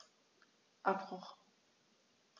Abbruch.